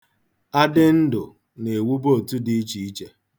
Adịndụ na-ewube otu dị iche iche.